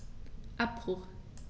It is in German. Abbruch.